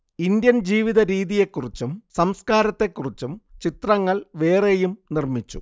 Indian ജീവിതരീതിയെക്കുറിച്ചും സംസ്കാരത്തെക്കുറിച്ചും ചിത്രങ്ങൾ വേറെയും നിർമിച്ചു